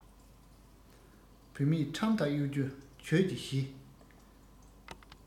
བུད མེད ཁྲམ དང གཡོ སྒྱུ གྱོད ཀྱི གཞི